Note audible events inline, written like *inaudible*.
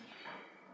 *hesitation* *hesitation*